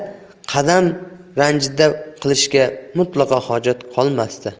bo'lganida qadam ranjida qilishingga mutlaqo hojat qolmasdi